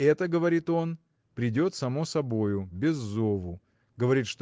Это, говорит он, придет само собою – без зову говорит